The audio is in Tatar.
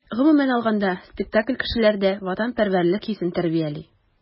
Гомумән алганда, спектакль кешеләрдә ватанпәрвәрлек хисен тәрбияли.